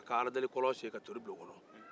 u ye aladelikɔlɔn sen ka ntori bila o kɔnɔ